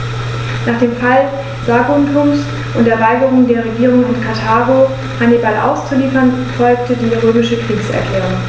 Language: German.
Nach dem Fall Saguntums und der Weigerung der Regierung in Karthago, Hannibal auszuliefern, folgte die römische Kriegserklärung.